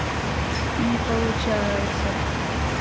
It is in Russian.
не получается